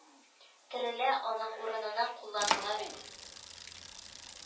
Терелә, аның урынына кулланыла бит